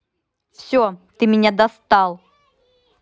все ты меня достал